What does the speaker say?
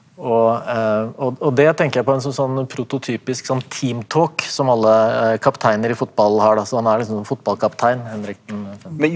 og og og det tenker jeg på en så sånn prototypisk sånn som alle kapteiner i fotball har da, så han er liksom fotballkaptein Henrik den femte.